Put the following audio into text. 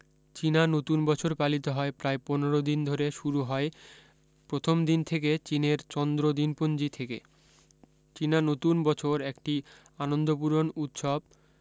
চীনা নতুন বছর পালিত হয় প্রায় পনের দিন ধরে শুরু হয় প্রথম দিন থেকে চীনের চন্দ্র দিনপঞ্জী থেকে চীনা নতুন বছর একটি আনন্দপূরন উৎসব